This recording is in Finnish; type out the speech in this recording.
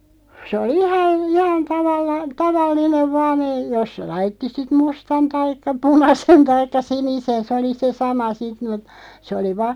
se oli ihan ihan - tavallinen vain ei jos se laittoi sitten mustan taikka punaisen taikka sinisen se oli se sama sitten mutta se oli -